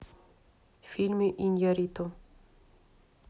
фильмы иньярриту